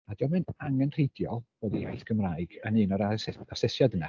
A 'di o'm yn angenrheidiol bod y iaith Gymraeg yn un o'r aeses- asesiad yna.